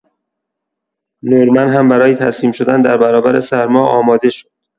نورمن هم برای تسلیم‌شدن در برابر سرما آماده شد.